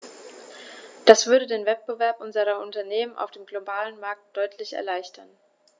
Das würde den Wettbewerb unserer Unternehmen auf dem globalen Markt deutlich erleichtern.